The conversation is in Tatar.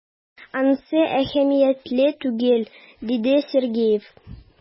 Ансы әһәмиятле түгел,— диде Сергеев.